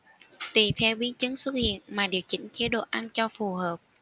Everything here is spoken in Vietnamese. tùy theo biến chứng xuất hiện mà điều chỉnh chế độ ăn cho phù hợp